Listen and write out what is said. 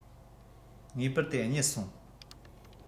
ངེས པར དེ གཉིད སོང